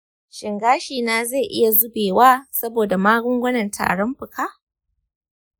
shin gashina zai iya zubewa saboda magungunan tarin fuka?